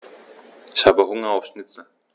Ich habe Hunger auf Schnitzel.